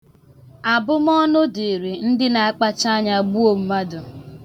Abụmọọnụ dịịrị ndị na-akpacha anya gbuo mmadu.